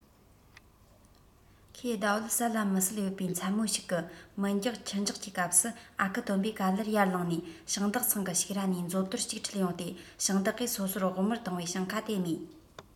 ཁོས ཟླ འོད གསལ ལ མི གསལ ཡོད པའི མཚན མོ ཞིག གི མི འཇགས ཁྱི འཇགས ཀྱི སྐབས སུ ཨ ཁུ སྟོན པས ག ལེར ཡར ལངས ནས ཞིང བདག ཚང གི ཕྱུགས ར ནས མཛོ དོར གཅིག ཁྲིད ཡོང སྟེ ཞིང བདག གིས སོ སོར བོགས མར བཏང བའི ཞིང ཁ དེ རྨོས